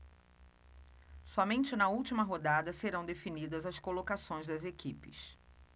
somente na última rodada serão definidas as colocações das equipes